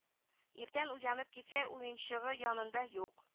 Иртән уянып китсә уенчыгы янында юк